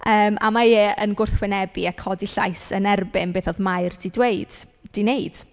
Yym a mae e yn gwrthwynebu a codi llais yn erbyn beth oedd Mair 'di dweud, 'di wneud.